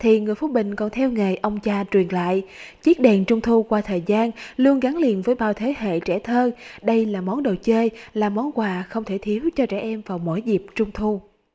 thì người phú bình còn theo nghề ông cha truyền lại chiếc đèn trung thu qua thời gian luôn gắn liền với bao thế hệ trẻ thơ đây là món đồ chơi là món quà không thể thiếu cho trẻ em vào mỗi dịp trung thu